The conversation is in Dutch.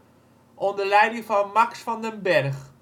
onder leiding van Max van den Berg